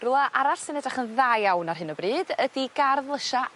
Rwla arall sy'n edrych yn dda iawn ar hyn o bryd ydi gardd lysia...